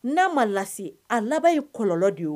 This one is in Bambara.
N'a ma lase a laban ye kɔlɔnlɔ de ye